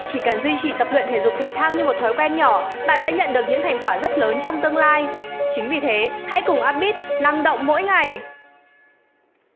chỉ cần duy trì tập luyện thể dục thể thao như một thói quen nhỏ bạn sẽ nhận được thành quả rất lớn trong tương lai chính vì thế hãy cùng up beat năng động mỗi ngày